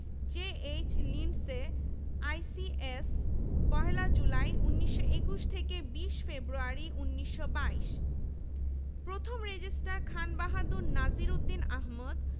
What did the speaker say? ১০ এপ্রিল ১৯২১ থেকে ৩০ জুন ১৯৪৪ এবং প্রথম প্রক্টর ফিদা আলী খান ১৯২৫ ১৯৩০ ১০ এপ্রিল ১৯২১ থেকে ৩০ জুন ১৯৪৪ এবং প্রথম প্রক্টর ফিদা আলী খান ১৯২৫ ১৯৩০